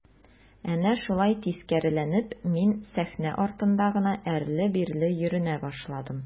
Әнә шулай тискәреләнеп мин сәхнә артында гына әрле-бирле йөренә башладым.